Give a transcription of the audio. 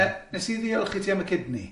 Yy, wnes i ddiolch i ti am y kidney?